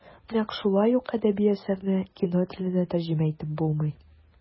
Нәкъ шулай ук әдәби әсәрне кино теленә тәрҗемә итеп булмый.